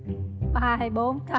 ba hay bốn con